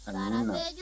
amiina